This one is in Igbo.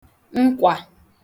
nkwà